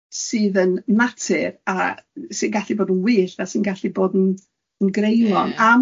yn rwbath sydd yn natur a sy'n gallu bod yn wyllt a sy'n gallu bod yn yn greulon ie.